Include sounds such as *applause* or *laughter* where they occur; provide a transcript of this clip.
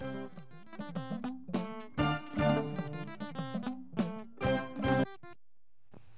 *music*